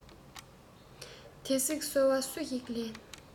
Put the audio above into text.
དེ བསྲེགས སོལ བ སུ ཞིག ལེན